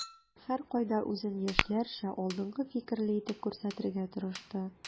Һәркайда үзен яшьләрчә, алдынгы фикерле итеп күрсәтергә тырышты.